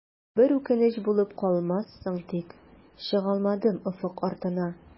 Бер үкенеч булып калмассың тик, чыгалмадым офык артына.